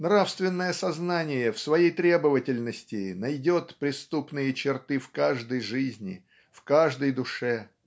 Нравственное сознание в своей требовательности найдет преступные черты в каждой жизни в каждой душе.